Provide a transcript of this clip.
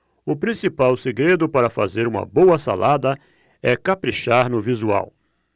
o principal segredo para fazer uma boa salada é caprichar no visual